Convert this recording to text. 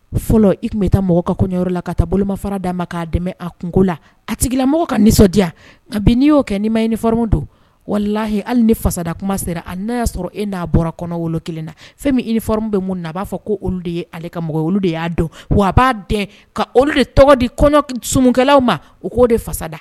Fɔlɔ i tun bɛ taa mɔgɔ ka kɔɲɔyɔrɔ la ka taa bolomafa d'a ma k'a dɛmɛ a kungoko la a tigila mɔgɔ ka nisɔndiya bi n'i y'o kɛ' ma don walahi hali ni fasada kuma sera a n'a y'a sɔrɔ e n'a bɔra kɔnɔ wolo kelen na fɛn minoro bɛ mun na a b'a fɔ ko olu de ye ale ka mɔgɔ olu de y'a dɔn wa a b'a dɛmɛ ka olu de tɔgɔ di kɔɲɔ skɛlawlaw ma o k' de fasada